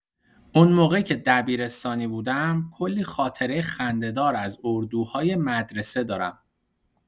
اون موقع که دبیرستانی بودم، کلی خاطره خنده‌دار از اردوهای مدرسه دارم.